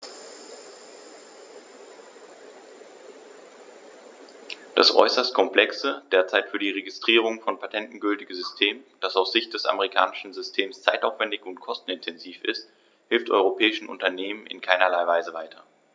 Das äußerst komplexe, derzeit für die Registrierung von Patenten gültige System, das aus Sicht des amerikanischen Systems zeitaufwändig und kostenintensiv ist, hilft europäischen Unternehmern in keinerlei Weise weiter.